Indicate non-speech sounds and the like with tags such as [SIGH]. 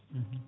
[HESITATION] [HESITATION]